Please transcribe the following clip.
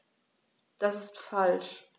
Das ist falsch.